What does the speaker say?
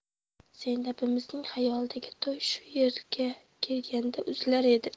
zaynabimizning xayolidagi to'y shu yerga kelganda uzilar edi